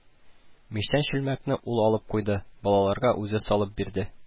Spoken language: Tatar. Мичтән чүлмәкне ул алып куйды, балаларга үзе салып бирде